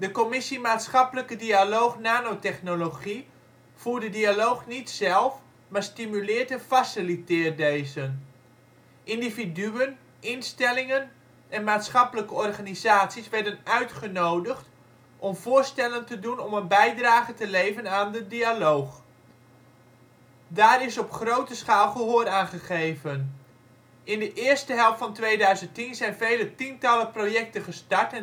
Commissie Maatschappelijke Dialoog Nanotechnologie voert de dialoog niet zelf, maar stimuleert en faciliteert deze. Individuen, instellingen en maatschappelijke organisaties werden uitgenodigd om voorstellen te doen om een bijdrage te leveren aan de dialoog. Daar is op grote schaal gehoor aan gegeven. In de eerste helft van 2010 zijn vele tientallen projecten gestart